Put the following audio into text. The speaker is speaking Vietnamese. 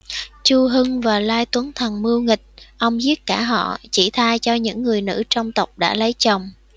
chu hưng và lai tuấn thần mưu nghịch ông giết cả họ chỉ tha cho những người nữ trong tộc đã lấy chồng